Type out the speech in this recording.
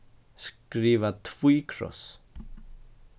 skriva tvíkross